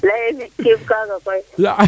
leyeene fi kiim kaga koy